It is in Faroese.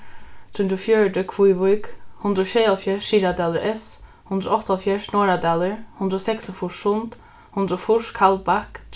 trý hundrað og fjøruti kvívík hundrað og sjeyoghálvfjerðs syðradalur s hundrað og áttaoghálvfjerðs norðradalur hundrað og seksogfýrs sund hundrað og fýrs kaldbak